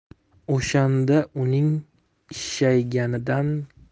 o'shanda uning ishshayganidan